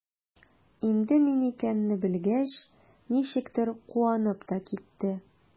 Инде мин икәнне белгәч, ничектер куанып та китте.